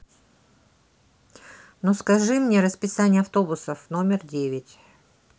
но скажи мне расписание автобусов номер девять